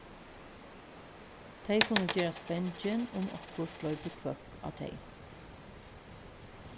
tey kunnu gerast bangin um okkurt loypir hvøkk á tey